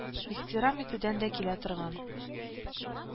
Ихтирам итүдән дә килә торган